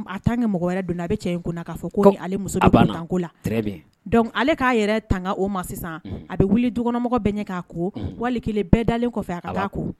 A tan mɔgɔ wɛrɛ don a bɛ cɛ k'a fɔ ko muso kanko la ale k'a yɛrɛ tanga o ma sisan a bɛ wuli dukɔnɔmɔgɔ bɛ ɲɛ k' ko wali bɛɛ dalen a